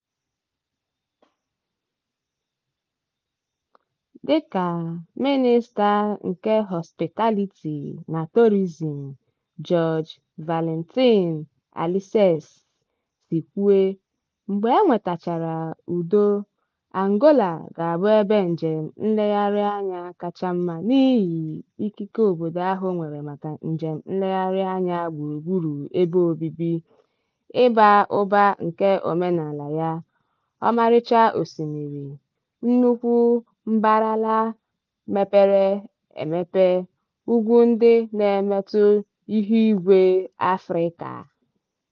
Dịka Mịnịsta Hospitality and Tourism, Jorge Valentim Alicerces si kwuo, “mgbe e nwetachara udo, Angola ga-abụ ebe njem nlereanya kacha mma n'ihi ikike obodo ahụ nwere maka njem nlereanya gburugburu ebe obibi, ịba ụba nke omenala ya, ọmarịcha osimiri, nnukwu mbaraala mepere emepe, ugwu ndị na-emetụ ihuigwe Afrịka.